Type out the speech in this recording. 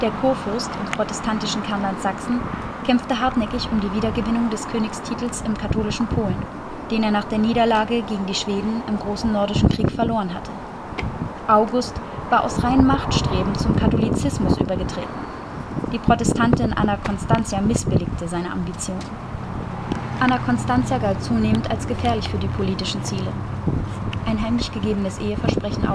Kurfürst im protestantischen Kernland Sachsen kämpfte hartnäckig um die Wiedergewinnung des Königstitels im katholischen Polen, den er nach der Niederlage gegen die Schweden im Großen Nordischen Krieg verloren hatte. August war aus reinem Machtstreben zum Katholizismus übergetreten; die Protestantin Anna Constantia missbilligte seine Ambitionen. Anna Constantia galt zunehmend als gefährlich für die politischen Ziele. Ein heimlich gegebenes Eheversprechen